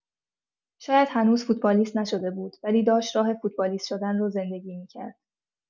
شاید هنوز فوتبالیست نشده بود، ولی داشت راه فوتبالیست شدن رو زندگی می‌کرد.